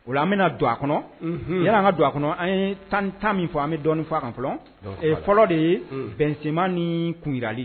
O an bɛna don a kɔnɔ y an ka don a kɔnɔ an ye tan tan min fɔ an bɛ dɔni fɔ an fɔlɔ ee fɔlɔ de ye bɛnman ni kunli ye